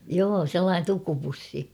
joo sellainen tukupussi